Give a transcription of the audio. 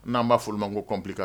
N'an b'a ma ko copkan